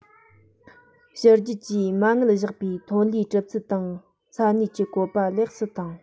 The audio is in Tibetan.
ཕྱི རྒྱལ གྱིས མ དངུལ བཞག པའི ཐོན ལས གྲུབ ཚུལ དང ས གནས ཀྱི བཀོད པ ལེགས སུ བཏང